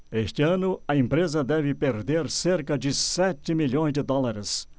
este ano a empresa deve perder cerca de sete milhões de dólares